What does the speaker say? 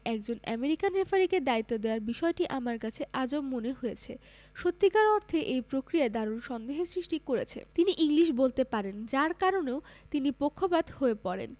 একজন আমেরিকান রেফারিকে দায়িত্ব দেয়ার বিষয়টি আমার কাছে আজব মনে হয়েছে সত্যিকার অর্থে এই প্রক্রিয়ায় দারুণ সন্দেহের সৃষ্টি করেছে তিনি ইংলিশ বলতে পারেন যার কারণেও তিনি পক্ষপাত হয়ে পড়েন